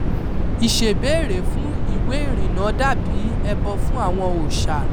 Ìṣèbéèrè fún ìwé ìrìnnà dà bíi ẹbọ fún àwọn òòsà